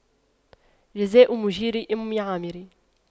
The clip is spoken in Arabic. جزاء مُجيرِ أُمِّ عامِرٍ